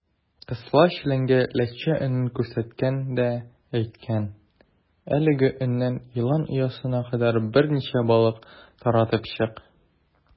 Кысла челәнгә ләтчә өнен күрсәткән дә әйткән: "Әлеге өннән елан оясына кадәр берничә балык таратып чык".